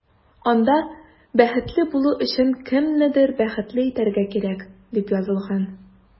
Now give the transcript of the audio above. Анда “Бәхетле булу өчен кемнедер бәхетле итәргә кирәк”, дип язылган.